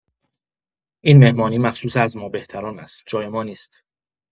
این مهمانی مخصوص از ما بهتران است، جای ما نیست!